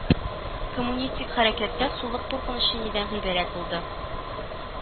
Коммунистик хәрәкәттә суллык куркынычы нидән гыйбарәт булды